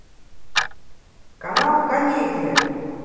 канал комедия